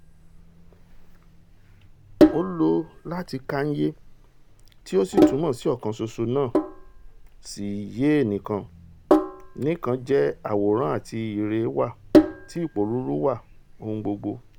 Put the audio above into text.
Ó lọ láti Kanye, tí ó túmọ̀ sí ọ̀kan ṣoṣo náà, sí Ye nìkan - nìkan jẹ́ àwòrán ti ire wa, ti ìpòrúùru wa, ohun gbogbo.